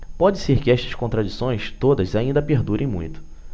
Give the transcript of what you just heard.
pode ser que estas contradições todas ainda perdurem muito